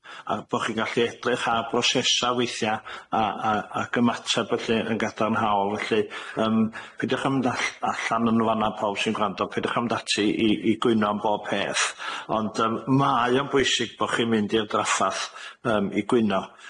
a bo' chi'n gallu edrych ar brosesa' weithia' a a ag ymateb felly yn gadarnhaol felly yym peidiwch â mynd all- allan yn fan 'na pawb sy'n gwrando peidiwch â mynd ati i i gwyno am bob peth, ond yym mae o'n bwysig bo' chi'n mynd i'r draffath yym i gwyno.